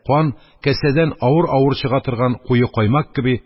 Кан, касәдән авыр-авыр чыга торган куе каймак кеби,